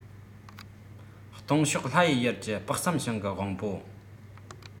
སྟེང ཕྱོགས ལྷ ཡི ཡུལ གྱི དཔག བསམ ཤིང གི དབང པོ